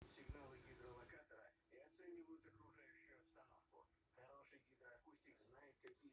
смотрим на свою попочку а там она вся черная